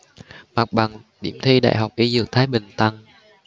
mặt bằng điểm thi đại học y dược thái bình tăng